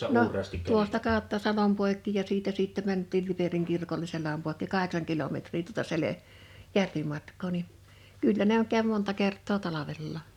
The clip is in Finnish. no tuosta kautta salon poikki ja siitä sitten mentiin Liperin kirkolle selän poikki kahdeksan kilometriä tuota - järvimatkaa niin kyllä ne on kävi monta kertaa talvellakin